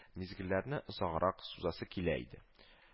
Мизгелләрне озаккарак сузасы килә иде